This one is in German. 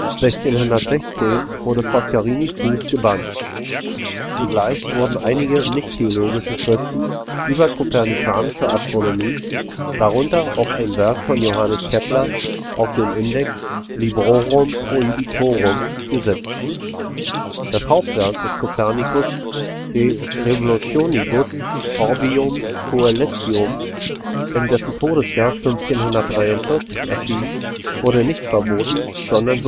1616 wurde Foscarinis Buch gebannt. Zugleich wurden einige nichttheologische Schriften über kopernikanische Astronomie, darunter auch ein Werk von Johannes Kepler, auf den Index (Librorum Prohibitorum) gesetzt. Das Hauptwerk des Copernicus, De Revolutionibus Orbium Coelestium, in dessen Todesjahr 1543 erschienen, wurde nicht verboten, sondern